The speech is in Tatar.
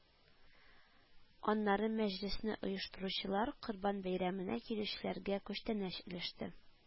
Аннары мәҗлесне оештыручылар Корбан бәйрәменә килүчеләргә «күчтәнәч» өләште